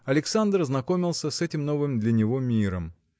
Александр знакомился с этим новым для него миром.